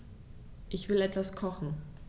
Ich will etwas kochen.